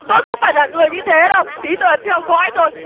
tôi không phải là người như thế đâu tý tôi ấn theo dõi tôi